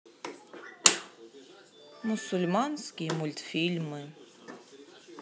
мусульманские мультфильмы